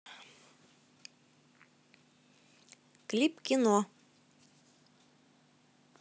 клип кино